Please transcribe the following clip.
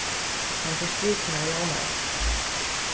hann ger strikurnar javnari